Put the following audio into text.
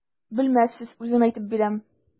Белмәссез, үзем әйтеп бирәм.